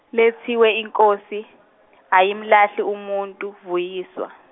Lethiwe iNkosi, ayimlahli umuntu Vuyiswa.